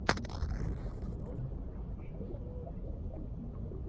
художественный фильм совесть